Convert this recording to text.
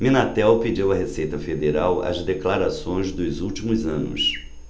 minatel pediu à receita federal as declarações dos últimos anos